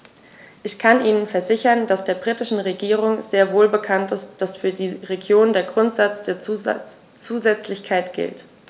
Ich kann Ihnen versichern, dass der britischen Regierung sehr wohl bekannt ist, dass für die Regionen der Grundsatz der Zusätzlichkeit gilt.